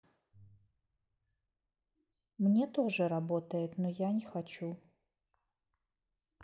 мне тоже работает но я не хочу